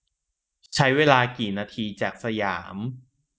ใช้เวลากี่นาทีจากสยาม